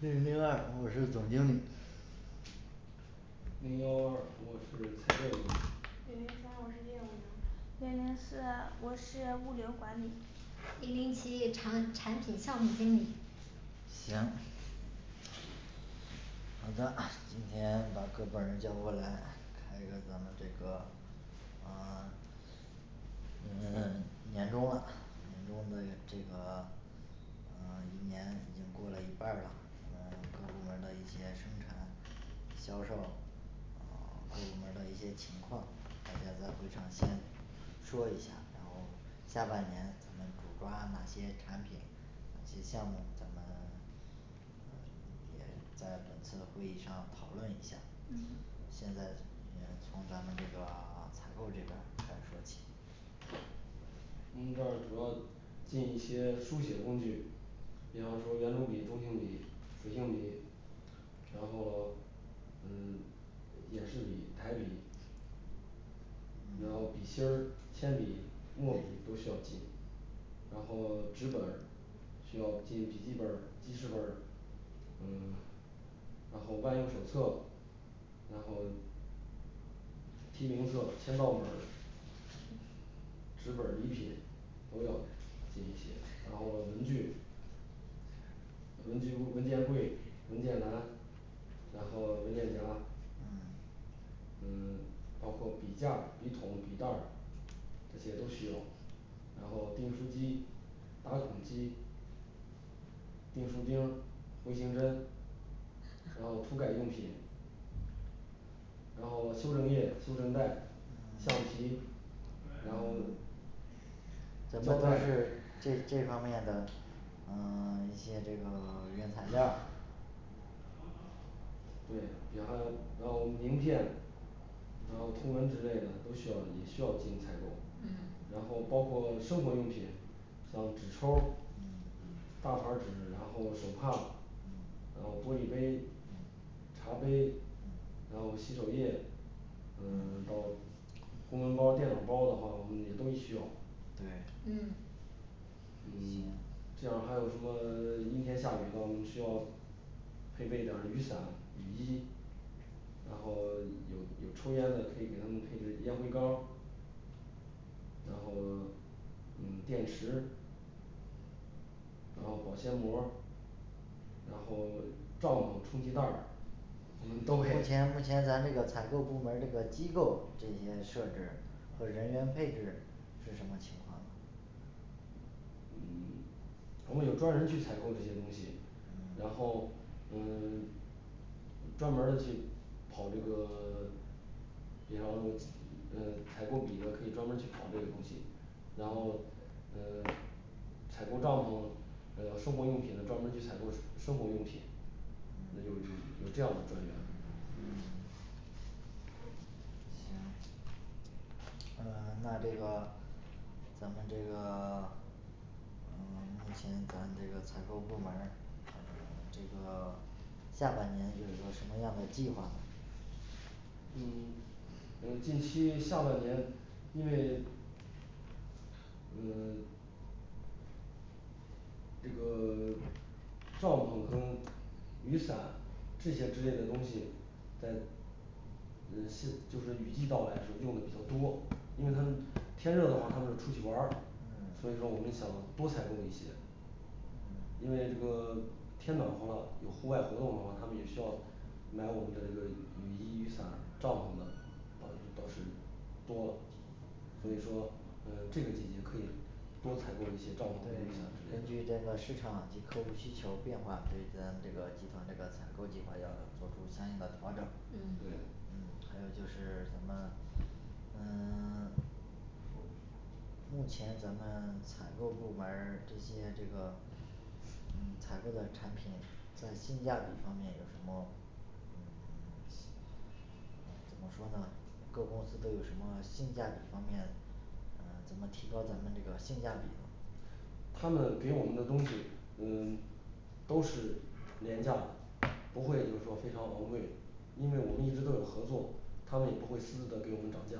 零零二我是总经理零幺二，我是采购经理零零三，我是业务员零零四，我是物流管理零零七，长产品项目经理行好的，今天把各本儿叫过来，开一个咱们这个呃嗯年中了年中的这个嗯一年已经过了一半儿了，我们各部门儿的一些生产销售嗯各部门儿的一些情况，今天在会上先说一下，然后下半年咱们主抓哪些产品，哪些项目，咱们 嗯也在本次会议上讨论一下。嗯现在嗯从咱们这个 采购这边儿开始说起我们这儿主要进一些书写工具，比方说圆珠笔、中性笔、水性笔，然后咾嗯演示笔，彩笔然后笔芯儿、铅笔墨笔都需要进。然后纸本儿需要进笔记本儿记事本儿嗯然后万用手册然后提名册签到本儿，纸本儿礼品都要进一些，然后咾文具文具如文件柜、文件栏，然后文件夹，嗯嗯包括笔架、笔筒、笔袋儿，这些都需要然后订书机、打孔机、订书钉儿、回形针，然后涂改用品然后修正液修正带，橡嗯皮，然后咱胶们不带是这这方面的嗯 一些这个 原材料儿对，比方说然后名片，然后出门之类的都需要也需要进行采购，嗯然后包括生活用品像纸抽儿，嗯大牌儿纸，然后手帕，嗯然后玻璃杯，嗯茶杯，嗯然后洗手液，嗯 到公文包，电脑包的话我们也都需要对嗯嗯这要还有什么 阴天下雨了，我们需要配备点儿雨伞、雨衣，然后有抽烟的可以给他们配置烟灰缸儿然后 嗯电池，然后保鲜膜儿，然后帐篷充气袋儿我们都可以目前目前咱这个采购部门儿这个机构这些设置和人员配置是什么情况嗯 他们有专人去采购这些东西，然嗯后嗯 专门儿的去跑这个， 比方说嗯采购笔的可以专门儿去跑这个东西然后嗯采购帐篷，嗯生活用品的专门儿去采购生 生活用品那有有有这样的专员嗯行，那咱，那这个，咱们这个 嗯目前咱这个采购部门儿，嗯 这个下半年有有什么样的计划呢嗯嗯近期下半年，因为， 嗯这个 帐篷跟雨伞这些之类的东西在嗯是就是雨季到来的时候用的比较多，因为他们天热的话他们就出去玩儿，嗯所以说我们想多采购一些因为这个天暖和了，有户外活动的话，他们也需要买我们的这个雨衣、雨伞、帐篷的。倒也倒是多了所以说嗯这个季节可以多采购一些帐篷和雨伞根之类据这的个市场及客户需求变化，对咱这个集团这个采购计划要做出相应的调整嗯对嗯还有就是咱们嗯， 目前咱们采购部门儿这些这个嗯采购的产品在性价比方面有什么嗯 嗯怎么说呢各公司都有什么性价比方面，嗯怎么提高咱们这个性价比呢他们给我们的东西嗯都是廉价的，不会就是说非常昂贵，因为我们一直都有合作，他们也不会私自的给我们涨价